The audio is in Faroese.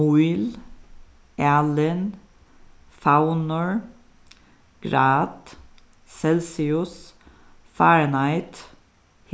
míl alin favnur grad celsius fahrenheit